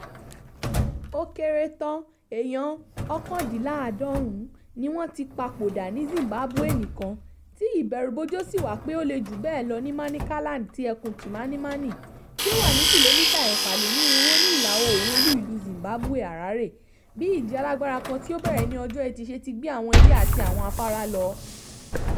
Ó kéré tán èèyàn 89 ni wọ́n ti papòdà ní Zimbabwe nìkan, tí ìbẹ̀rùbojo sì wà pé ó lè jù bẹ́ẹ̀ lọ, ní Manicaland ti ẹkùn Chimanimani, tí ó wà ní kìlómítà 406 ní ìlà-oòrùn olú-ìlú Zimbabwe, Harare, bí ìjì alágbára kan tí ó bẹ̀rẹ̀ ní ọjọ́ Ẹtì ṣe ti gbé àwọn ilé àti àwọn afárá lọ.